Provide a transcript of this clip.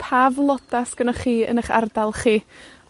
Pa floda 'sgennoch chi yn 'ych ardal chi?